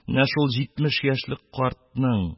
Менә шул җитмеш яшьлек картның